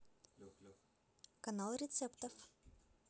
канал рецептов